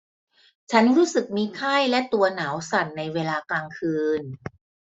ฉันรู้สึกมีไข้และตัวหนาวสั่นในเวลากลางคืน